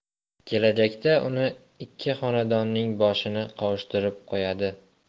kelajakda uni ikki xonadonning boshini qovushtirib qo'yadi